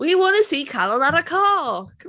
We want to see calon ar y coc!